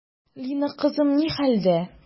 Лина кызым ни хәлдә?